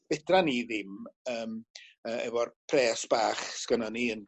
fedran ni ddim yym yy efo'r pres bach sgynnon ni yn...